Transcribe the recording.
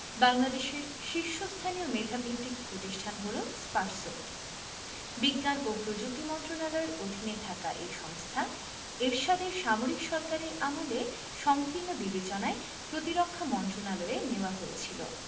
বাংলাদেশের শীর্ষস্থানীয় মেধাভিত্তিক প্রতিষ্ঠান হলো স্পারসো বিজ্ঞান ও প্রযুক্তি মন্ত্রণালয়ের অধীনে থাকা এই সংস্থা এরশাদের সামরিক সরকারের আমলে সংকীর্ণ বিবেচনায় প্রতিরক্ষা মন্ত্রণালয়ে নেওয়া হয়েছিল